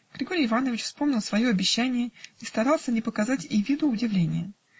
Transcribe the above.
Григорий Иванович вспомнил свое обещание и старался не показать и виду удивления